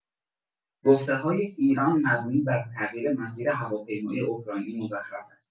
گفته‌های ایران مبنی بر تغییر مسیر هواپیمای اوکراینی مزخرف است.